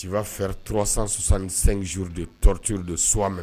Nci'a fɛurasansan sangjuruur de tɔɔrɔyri de somɛ